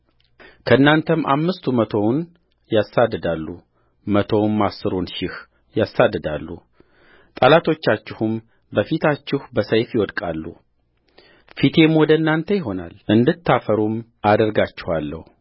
ከእናንተም አምስቱ መቶውን ያሳድዳሉ መቶውም አሥሩን ሺህ ያሳድዳሉ ጠላቶቻችሁም በፊታችሁ በሰይፍ ይወድቃሉፊቴም ወደ እናንተ ይሆናል እንድታፈሩም አደርጋችኋለሁ